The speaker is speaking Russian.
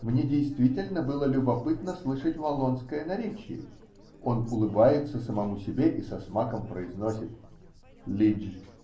Мне действительно было любопытно слышать валлонское наречие, -- он улыбается самому себе и со смаком произносит: -- "Лидж".